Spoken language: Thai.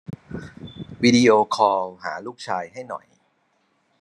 วิดีโอคอลหาลูกชายให้หน่อย